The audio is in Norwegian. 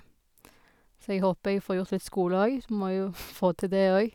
Så jeg håper jeg får gjort litt skole òg, sj må jo få til det òg.